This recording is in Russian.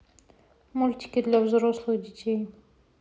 мультики для взрослых детей